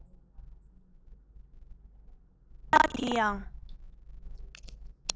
ལྟེ བ དེ ཡང